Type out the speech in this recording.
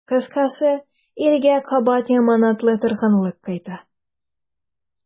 Кыскасы, илгә кабат яманатлы торгынлык кайта.